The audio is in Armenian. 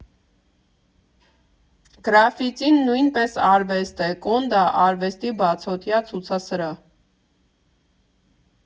Գրաֆիտին նույնպես արվեստ է, Կոնդը՝ արվեստի բացօթյա ցուցասրահ։